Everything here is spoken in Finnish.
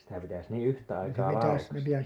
sitä pitäisi niin yhtä aikaa laukaista